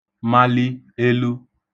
mali (elu)